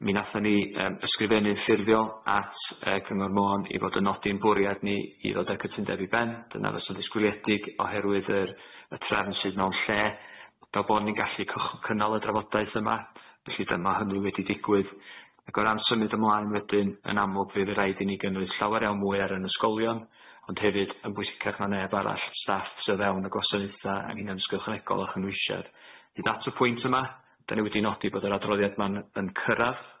Mi natho ni yym ysgrifennu'n ffurfiol at yy Cyngor Mon i fod yn nodi'n bwriad ni i ddod â'r cytundeb i ben dyna fysa'n gdisgwyledig oherwydd yr y trefn sydd mewn lle fel bo ni'n gallu cych- cynnal y drafodauth yma felly dyma hynny wedi digwydd ag o ran symud ymlaen wedyn yn amlwg fydd rhaid i ni gynnwys llawer iawn mwy ar yn ysgolion ond hefyd yn bwysicach na neb arall staff sydd o fewn y gwasaneutha anghenion dysgu ychwanegol a chynwysiad hyd at y pwynt yma 'dan ni wedi nodi bod yr adroddiad ma'n yn cyrradd.